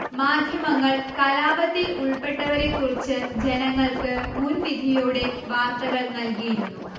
മാധ്യമങ്ങൾ കലാപത്തിൽ ഉൾപ്പെട്ടവരെക്കുറിച്ച് ജനങ്ങൾക്ക് മുൻവിധിയോടെ വാർത്തകൾ നൽകിയിരുന്നു